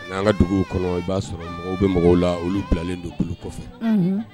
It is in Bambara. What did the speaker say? N' an ka dugu kɔnɔ i b'a sɔrɔ mɔgɔw bɛ mɔgɔw la olu bilalen don kɔfɛ